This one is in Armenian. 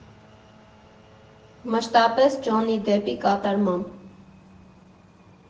Մշտապես Ջոնի Դեփի կատարմամբ։